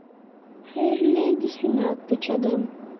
Хәерле ди сиңа, пычагым!